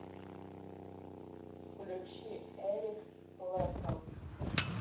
включи эрик клэптон